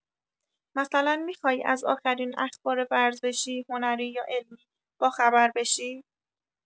مثلا می‌خوای از آخرین اخبار ورزشی، هنری، یا علمی باخبر بشی؟